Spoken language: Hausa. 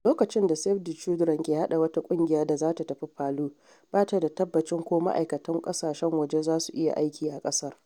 A lokacin da Save the Children ke haɗa wata ƙungiya da za ta tafi Palu, ba ta da tabbacin ko ma’aikatan ƙasashen waje za su iya aiki a ƙasar.